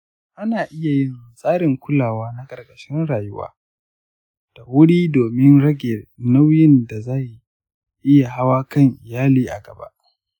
ana iya yin tsarin kulawa na ƙarshen rayuwa da wuri domin rage nauyin da zai iya hau kan iyali a gaba.